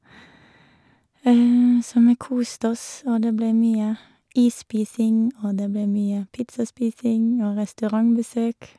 Så vi koste oss, og det ble mye is-spising, og det ble mye pizza-spising og restaurantbesøk.